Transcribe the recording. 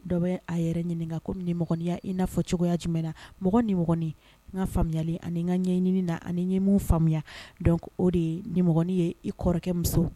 Dɔ bɛ a yɛrɛ ɲini kan ko ni mɔgɔnya i n'a fɔ cogoya jumɛnɛna mɔgɔ ni n ka faamuya ani n ka ɲɛɲini na ani ɲɛ faamuya o de ye ni ye i kɔrɔkɛ muso